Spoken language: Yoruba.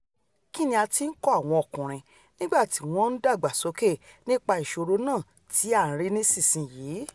Kínni a ti ńkọ́ àwọn ọkùnrin nígbà tí wọ́n ńdàgbàsókè, nípa ì̀ṣòró nàà tí a rí nísinsìnyí?'